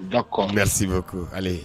Dɔ kɔn bɛsinbe ale ye